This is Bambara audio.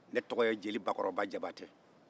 ne tɔgɔ ye jeli bakɔrɔba kuyatɛ